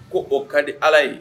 Ko o ka di Ala ye